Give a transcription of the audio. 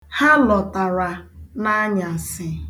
Ha lọtara n'anyasị.